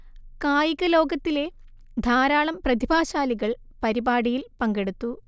കായിക ലോകത്തിലെ ധാരാളം പ്രതിഭാശാലികൾ പരിപാടിയിൽ പങ്കെടുത്തു